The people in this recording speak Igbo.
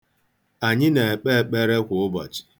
Anyị na-ekpe ekpere kwa ụbọchị.